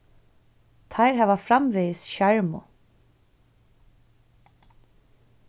teir hava framvegis sjarmu